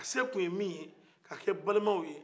a se tun ye min ye ka kɛ balemaw ye